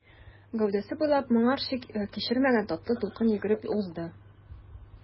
Гәүдәсе буйлап моңарчы кичермәгән татлы дулкын йөгереп узды.